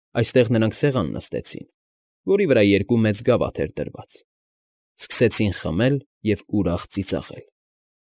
Այստեղ նրանք սեղան նստեցին, որի վրա երկու մեծ գավաթ էր դրված, սկսեցին խմել և ուրախ ծիծաղել։